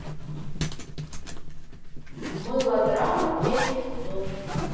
мылодрама третий сезон